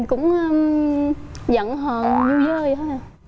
cũng cũng giận hờn du dơ dậy thôi hà